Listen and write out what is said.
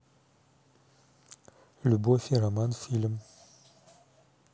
любовь и роман фильм